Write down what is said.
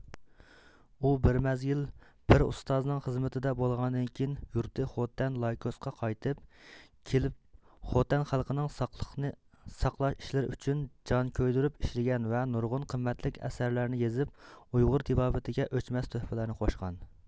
ئۇ بىر مەزگىل پىر ئۇستازنىڭ خىزمىتىدە بولغاندىن كېيىن يۇرتى خوتەن لايكۇسغا قايتىپ كېلىپ خوتەن خەلقىنىڭ ساقلىقنى ساقلاش ئىشلىرى ئۈچۈن جان كۆيدۈرۈپ ئىشلىگەن ۋە نۇرغۇن قىممەتلىك ئەسەرلەرنى يېزىپ ئۇيغۇر تېبابىتىگە ئۆچمەس تۆھپىلەرنى قوشقان